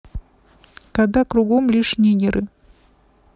когда кругом лишь нигеры